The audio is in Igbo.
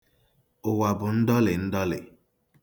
Ụwa bụ ndọlị ndọlị.